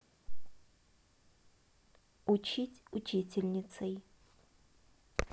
учить учительницей